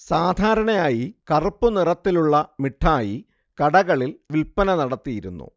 സാധാരണയായി കറുപ്പു നിറത്തിലുള്ള മിഠായി കടകളിൽ വിൽപ്പന നടത്തിയിരുന്നു